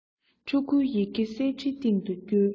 ཕྲུ གུའི ཡི གེ གསེར ཁྲིའི སྟེང དུ སྐྱོལ